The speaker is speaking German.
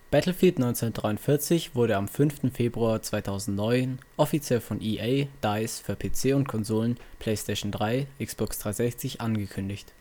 Battlefield 1943 wurde am 5. Februar 2009 offiziell von EA/DICE für PC und Konsolen (Playstation 3, Xbox 360) angekündigt